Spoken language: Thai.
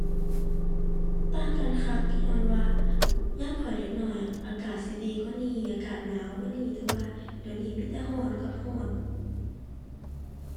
ต่างกันคัก ญ้อนว่า ยามข้อยเด็กน้อยอะ อากาศสิดีกว่านี้ อากาศหนาวกว่านี้ แต่ว่า เดี๋ยวนี้มีแต่ร้อนกับร้อน